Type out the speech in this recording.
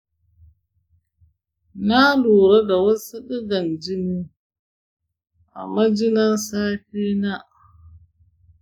na lura da wasu ɗigan jini a majinan safe na.